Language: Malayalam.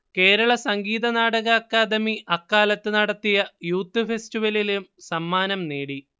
കേരള സംഗീതനാടക അക്കാദമി അക്കാലത്ത് നടത്തിയ യൂത്ത് ഫെസ്റ്റിവലിലും സമ്മാനംനേടി